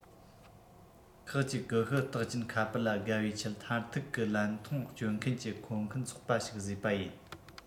ཁག གཅིག ཀུ ཤུ རྟགས ཅན ཁ པར ལ དགའ བའི ཆེད མཐར ཐུག གི ལན ཐུང སྤྱོད མཁན གྱི མཁོ མཁན ཚོགས པ ཞིག བཟོས པ ཡིན